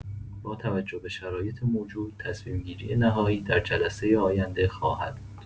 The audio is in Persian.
با توجه به شرایط موجود، تصمیم‌گیری نهایی در جلسه آینده خواهد بود.